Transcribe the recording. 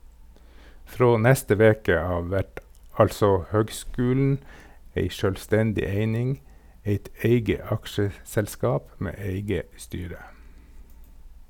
Frå neste veke av vert altså høgskulen ei sjølvstendig eining, eit eige aksjeselskap med eige styre.